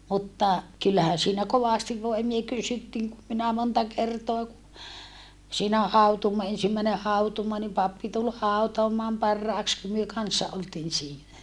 mutta kyllähän siinä kovasti voimia kysyttiin kun minä monta kertaa kun siinä hautuumaa ensimmäinen hautuumaa niin pappi tuli hautaamaan parhaiksi kun me kanssa oltiin siinä